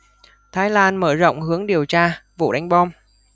thái lan mở rộng hướng điều tra vụ đánh bom